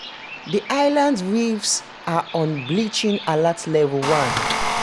The island's reefs are on "Bleaching Alert Level One"